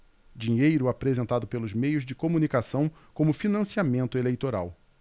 dinheiro apresentado pelos meios de comunicação como financiamento eleitoral